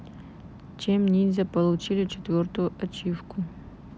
чем ниндзя получили четвертую ачивку